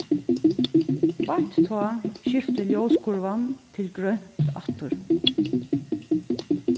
beint tá skifti ljóskurvan til grønt aftur